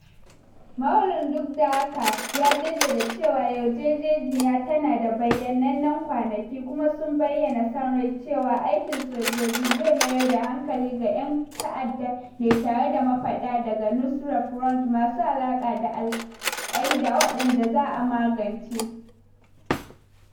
Moualem duk da haka ya jadadda cewa yarjejeniyar ta na da “bayyanannen kwanaki” kuma sun bayyana sa rai cewa aikin sojoji zai mayar da hankali ga ‘yan ta’adda ne tare da mafaɗa daga Nusra Front masu alaka da Al-Qaeda, waɗanda “za’a magance.”